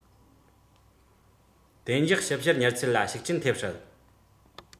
བདེ འཇགས ཞིབ བཤེར མྱུར ཚད ལ ཤུགས རྐྱེན ཐེབས སྲིད